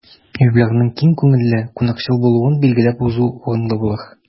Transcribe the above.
Юбилярның киң күңелле, кунакчыл булуын билгеләп узу урынлы булыр.